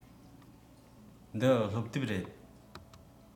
འདི སློབ དེབ རེད